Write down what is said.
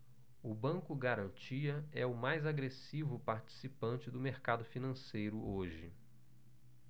o banco garantia é o mais agressivo participante do mercado financeiro hoje